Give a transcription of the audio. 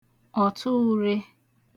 ọ̀tụure